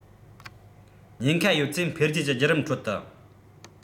ཉེན ཁ ཡོད ཚད འཕེལ རྒྱས ཀྱི བརྒྱུད རིམ ཁྲོད དུ